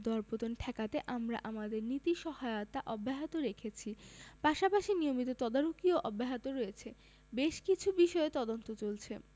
দরপতন ঠেকাতে আমরা আমাদের নীতি সহায়তা অব্যাহত রেখেছি পাশাপাশি নিয়মিত তদারকিও অব্যাহত রয়েছে বেশ কিছু বিষয়ে তদন্ত চলছে